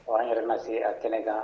Hɔrɔn yɛrɛ na se a kɛnɛ kan